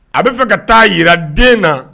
A bɛa fɛ ka taa jira den na